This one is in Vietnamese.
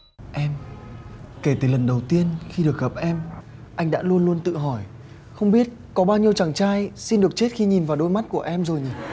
em kể từ lần đầu tiên khi được gặp em anh đã luôn luôn tự hỏi không biết có bao nhiêu chàng trai xin được chết khi nhìn vào đôi mắt của em rồi nhỉ